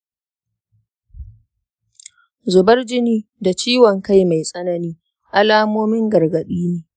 zubar jini da ciwon-kai mai tsanani alamomin gargaɗi ne